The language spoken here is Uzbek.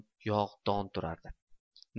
yog' don turardi